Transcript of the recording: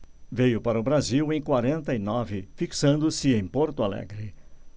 veio para o brasil em quarenta e nove fixando-se em porto alegre